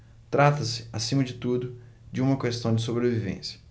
trata-se acima de tudo de uma questão de sobrevivência